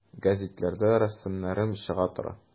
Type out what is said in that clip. Гәзитләрдә рәсемнәрем чыга тора.